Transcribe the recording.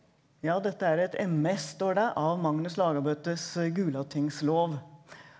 ja dette er et Ms står det av Magnus Lagabøtes gulatingslov.